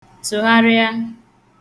tụ̀gharịa